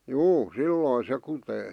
juu silloin se kutee